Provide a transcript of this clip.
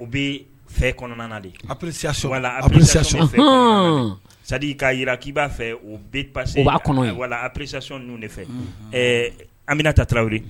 U bɛ fɛ kɔnɔna na de appréciation, voila unhun, c'est à dire_ k'a jira k'i b'a fɛ , o bɛ passé o b'a kɔnɔ yen appréciation ninnu de fɛ, ɛɛ Aminata Traoré